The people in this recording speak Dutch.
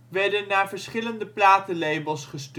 werden naar verschillende platenlabels